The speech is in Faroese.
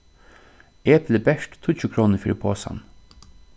epli bert tíggju krónur fyri posan